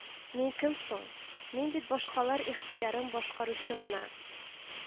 —мин кем соң, мин бит башкалар ихтыярын башкаручы гына